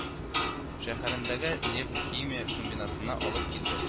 Шәһәрендәге нефть-химия комбинатына алып килде